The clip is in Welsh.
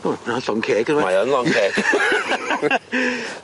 O ma' wna'n llon' ceg on' yw e? Mae yn lon' ceg.